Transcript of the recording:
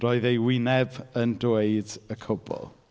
Roedd ei wyneb yn dweud y cwbl.